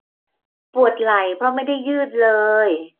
ปวดไหล่เพราะไม่ได้ยืดเลย